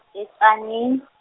e- Tzaneen.